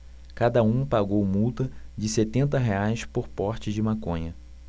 cada um pagou multa de setenta reais por porte de maconha